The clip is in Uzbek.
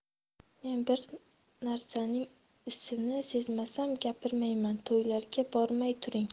men bir narsaning isini sezmasam gapirmayman to'ylarga bormay turing